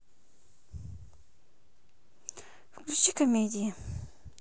включи комедии